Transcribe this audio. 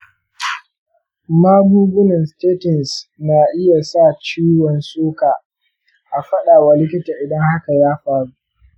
magungunan statins na iya sa ciwon tsoka, a faɗa wa likita idan hakan ya faru.